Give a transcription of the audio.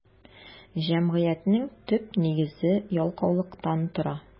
Җәмгыятьнең төп нигезе ялкаулыктан тора.